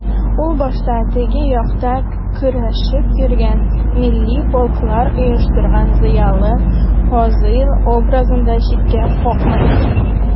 Ул башта «теге як»та көрәшеп йөргән, милли полклар оештырган зыялы Фазыйл образын да читкә какмый.